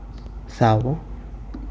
เสาร์